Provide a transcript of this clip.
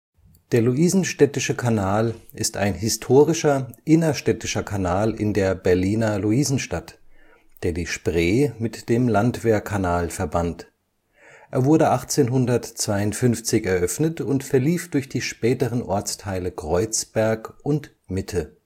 Der Luisenstädtische Kanal ist ein historischer innerstädtischer Kanal in der Berliner Luisenstadt, der die Spree mit dem Landwehrkanal verband. Er wurde 1852 eröffnet und verlief durch die späteren Ortsteile Kreuzberg und Mitte